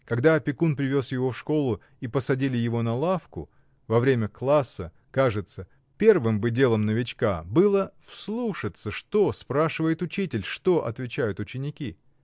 Когда опекун привез его в школу и посадили его на лавку: во время класса, кажется, первым бы делом новичка было вслушаться, что спрашивает учитель, что отвечают ученики.